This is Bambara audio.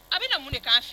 A bɛ na mun de k'an f